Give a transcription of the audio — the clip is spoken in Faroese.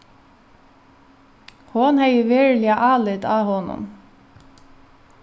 hon hevði veruliga álit á honum